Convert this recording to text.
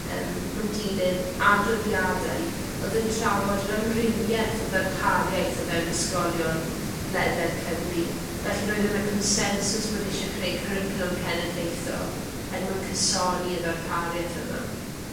yym yn dilyn adroddiadau o'dd yn trafod yr amrywieth o ddarpariaeth o fewn ysgolion ledled Cymru felly roedd yna consensws bod isie creu cwricwlwm cenedlaethol er mwyn cysoni y ddarparieth yma.